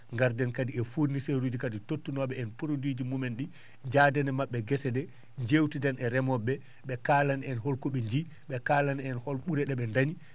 ngannden kadi e fournisseur uji kadi tottunoo?e en kadi produit mumen ?i njaaden e ma??e gese ?e njeewtiden e remoo?e ?ee ?e kaalana en holko ?e njiyi ?e kaalana en hol ?ure ?e ?e ndañi